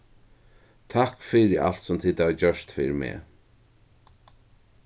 takk fyri alt sum tit hava gjørt fyri meg